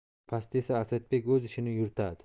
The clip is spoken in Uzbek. pastda esa asadbek o'z ishini yuritadi